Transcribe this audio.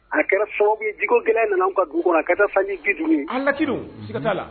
A kɛra so min j gɛlɛ nana ka du kɔnɔ a ka taa fa